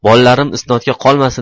bolalarim isnodga qolmasin